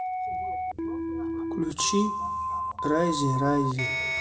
включи райзе райзе